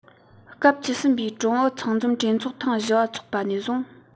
སྐབས བཅུ གསུམ པའི ཀྲུང ཨུ ཚང འཛོམས གྲོས ཚོགས ཐེངས བཞི པ འཚོགས པ ནས བཟུང